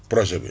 projet bi